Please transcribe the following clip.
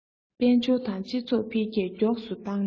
དཔལ འབྱོར དང སྤྱི ཚོགས འཕེལ རྒྱས མགྱོགས སུ བཏང ནས